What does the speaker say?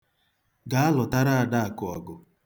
Gaa, lụtara Adakụ ọgụ.